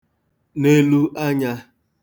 nelu anyā